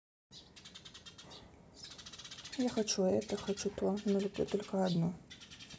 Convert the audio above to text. я хочу это хочу то но люблю только одну